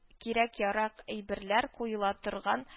Кирәк-ярак әйберләр куела торган